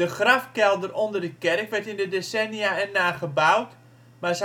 grafkelder onder de kerk werd in de decennia erna gebouwd, maar